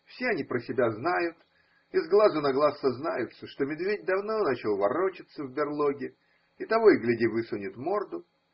Все они про себя знают и с глазу на глаз сознаются, что медведь давно начал ворочаться в берлоге и, того и гляди, высунет морду.